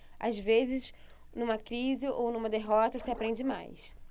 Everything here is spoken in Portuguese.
às vezes numa crise ou numa derrota se aprende mais